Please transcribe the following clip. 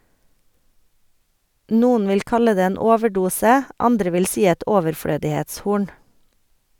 Noen vil kalle det en overdose, andre vil si et overflødighetshorn.